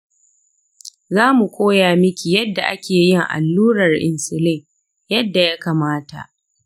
za mu koya miki yadda ake yin allurar insulin yadda ya kamata.